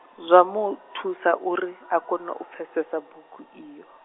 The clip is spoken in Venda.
zwa mu, thusa uri, a kono pfesesa bugu iyo.